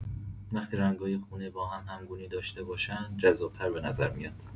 وقتی رنگای خونه با هم همگونی داشته باشن، جذاب‌تر به نظر میاد.